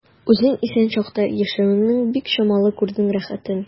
Үзең исән чакта яшәвеңнең бик чамалы күрдең рәхәтен.